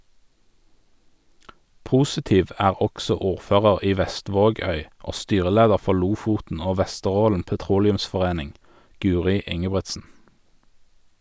Positiv er også ordfører i Vestvågøy og styreleder for Lofoten og Vesterålen Petroleumsforening, Guri Ingebrigtsen.